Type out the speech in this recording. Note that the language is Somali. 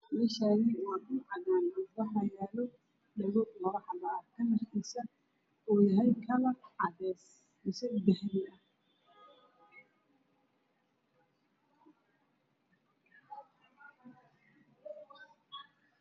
Meeshani waa dhuul cadan ah waxaa yaalo dhego laba xabo ah kalarkiisa uuyahay kalra cadees ah basali dahabi ah